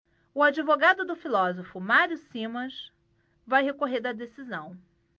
o advogado do filósofo mário simas vai recorrer da decisão